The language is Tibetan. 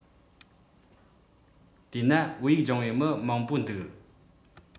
དེས ན བོད ཡིག སྦྱོང བའི མི མང པོ འདུག